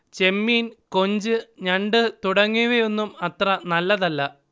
ചെമ്മീൻ, കൊഞ്ച്, ഞണ്ട് തുടങ്ങിയവയൊന്നും അത്ര നല്ലതല്ല